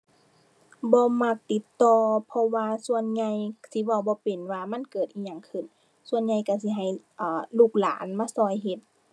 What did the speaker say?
บ่มักติดต่อ เพราะว่าส่วนใหญ่สิเว้าบ่เป็นว่ามันเกิดอิหยังขึ้น ส่วนใหญ่ก็สิให้ อ่า ลูกหลานมาก็เฮ็ด